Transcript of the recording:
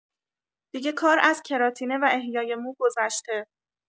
دیگه کار از کراتینه و احیای مو گذشته.